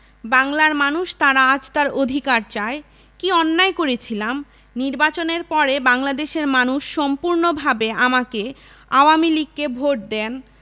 বাংলার মানুষ তারা আজ তার অধিকার চায় কি অন্যায় করেছিলাম নির্বাচনের পরে বাংলাদেশের মানুষ সম্পূর্ণভাবে আমাকে আওয়ামীলীগকে ভোট দেন